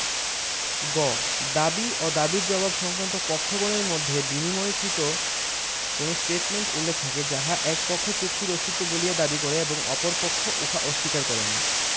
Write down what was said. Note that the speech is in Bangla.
গ দাবী ও দাবীর জবাব সংক্রান্ত পক্ষগণের মধ্যে বিনিময়কৃত কোন ষ্টেটমেন্টে উল্লেখ থাকে যাহা এক পক্ষ চুক্তির অস্তিত্ব বলিয়া দাবী করে এবং অপর পক্ষ উহা অস্বীকার করে না